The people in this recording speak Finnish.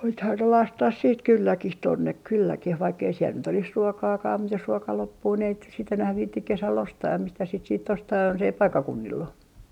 nythän ne lasketaan sitten kylläkin tuonne kylläkin vaikka ei siellä nyt olisi ruokaakaan mutta jos ruoka loppuu niin ei sitten nyt enää viitsi kesällä ostaa mistään sitä sitten ostaa jos ei paikkakunnilla ole